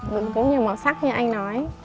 cũng nhiều màu sắc như anh nói